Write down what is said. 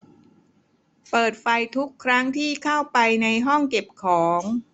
เปิดไฟทุกครั้งที่เข้าไปในห้องเก็บของ